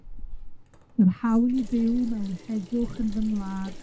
yr hawl i byw mewn heddwch yn fy ngwlad